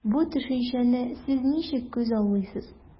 Бу төшенчәне сез ничек күзаллыйсыз?